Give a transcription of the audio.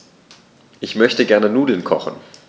Ich möchte gerne Nudeln kochen.